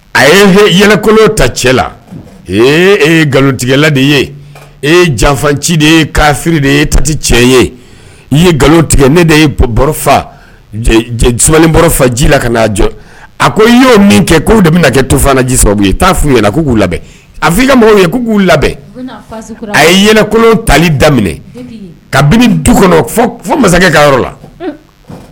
A ye yɛlɛkolon ta cɛ la e nkalonlotigɛla de ye e janfa ci de ye kafi de ye eti tiɲɛ ye i ye nkalonlo tigɛ ne de ye fa ji la ka'a jɔ a ko i y'o min kɛ k' de bɛna na kɛ to ji sɔrɔbu ye taa f u ɲɛna k'u labɛn a fɔ i ka mɔgɔw ye k'u labɛn a ye yɛlɛkolon tali daminɛ ka du kɔnɔ fo masakɛ ka yɔrɔ la